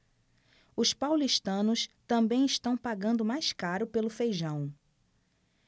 os paulistanos também estão pagando mais caro pelo feijão